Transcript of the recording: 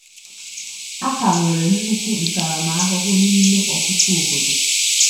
A ka nwere nukwu ntarama ahụhụ n'ime ọtụtụ obodo.